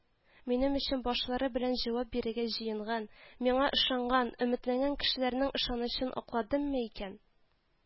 Минем өчен башлары белән җавап бирергә җыенган, миңа ышанган, өметләнгән кешеләрнең ышанычын акладыммы икән?”